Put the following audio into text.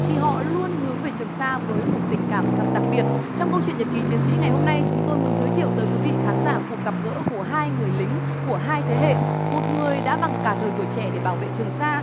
thì họ luôn hướng về trường sa với một tình cảm thật đặc biệt trong câu chuyện nhật ký chiến sĩ ngày hôm nay chúng tôi muốn giới thiệu tới quý vị khán giả cuộc gặp gỡ của hai người lính của hai thế hệ một người đã bằng cả thời tuổi trẻ để bảo vệ trường sa